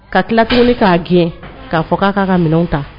Ka tila kuli k'a gɛn k'a fɔ k'a ka'a ka minɛnw ta